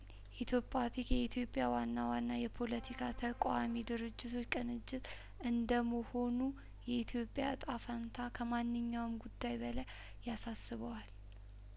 ኢቶፓቲክ የኢትዮጵያ ዋና ዋና የፖለቲካ ተቋሚ ድርጅቶች ቅንጅት እንደመሆኑ የኢትዮጵያ እጣ ፈንታ ከማንኛውም ጉዳይ በላይ ያሳስበዋል